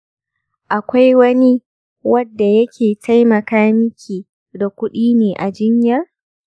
akwai wani wadda yake taimaka miki da kudi ne a jinyar?